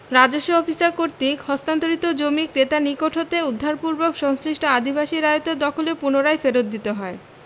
রাজস্ব অফিসার কর্তৃক হস্তান্তরিত জমি ক্রেতার নিকট হতে উদ্ধারপূর্বক সংশ্লিষ্ট আদিবাসী রায়তের দখলে পুনরায় ফেরৎ দিতে হয়